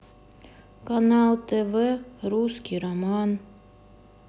канал тв русский роман